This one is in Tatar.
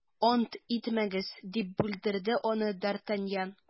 - ант итмәгез, - дип бүлдерде аны д’артаньян.